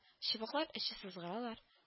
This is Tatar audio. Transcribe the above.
– чыбыклар әче сызгыралар